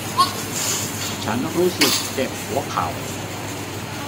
ฉันรู้สึกเจ็บหัวเข่า